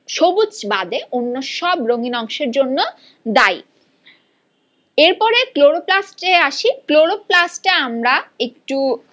সবুজ বাদে অন্য সব রঙিন অংশের জন্য দায়ী এরপরে ক্লোরোপ্লাস্টে আসি ক্লোরোপ্লাস্টে আমরা একটু